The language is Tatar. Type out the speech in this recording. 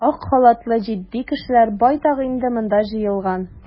Ак халатлы җитди кешеләр байтак инде монда җыелган.